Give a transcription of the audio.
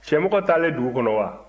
cɛmɔgɔ taalen dugu kɔnɔ wa